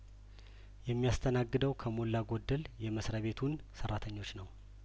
የሚያስተናግደው ከሞላ ጐደል የመስሪያ ቤቱን ሰራተኞች ነው